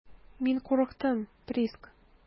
Мин курыктым, Приск.